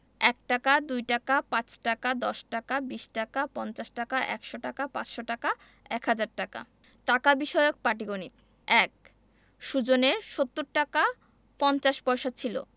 ১ টাকা ২ টাকা ৫ টাকা ১০ টাকা ২০ টাকা ৫০ টাকা ১০০ টাকা ৫০০ টাকা ১০০০ টাকা টাকা বিষয়ক পাটিগনিতঃ ১ সুজনের ৭০ টাকা ৫০ পয়সা ছিল